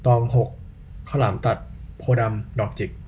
ตองหกข้าวหลามตัดโพธิ์ดำดอกจิก